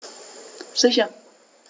Sicher.